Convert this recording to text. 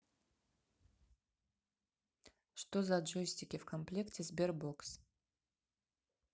что за джойстики в комплекте sberbox